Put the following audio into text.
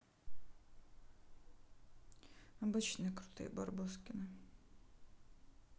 обычные крутые барбоскины